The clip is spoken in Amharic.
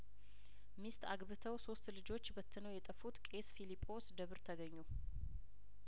ሚስት አግብተው ሶስት ልጆች በትነው የጠፉት ቄስ ፊሊጶስ ደብር ተገኙ